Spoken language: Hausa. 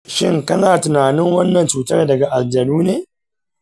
shin kana tunanin wannan cutar daga aljanu ne?